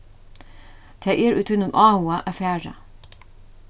tað er í tínum áhuga at fara